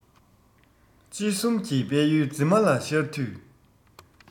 དཔྱིད གསུམ གྱི དཔལ ཡོན འཛིན མ ལ ཤར དུས